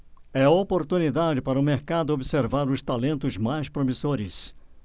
é a oportunidade para o mercado observar os talentos mais promissores